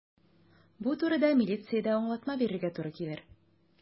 Бу турыда милициядә аңлатма бирергә туры килер.